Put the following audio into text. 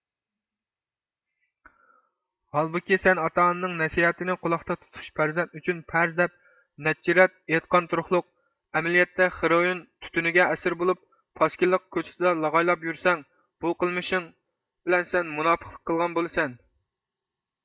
ھالبۇكى سەن ئاتا ئانىنىڭ نەسىھەتىنى قۈلاقتا تۇتۇش پەرزەنت ئۈچۈن پەرز دەپ نەچچە رەت ئېيتقان تۇرۇقلۇق ئەمەلدە خىروئىن تۈتۈنىگە ئەسىر بولۇپ پاسكىنىلىق كوچىسىدا لاغايلاپ يۇرسەڭ بۇ قىلمىشىڭ بىلەن سەن مۇناپىقلىق قىلغان بولىسەن